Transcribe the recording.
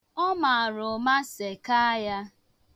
Ọ mara ụma sekaa ya.